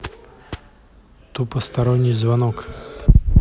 тупосторонний звонок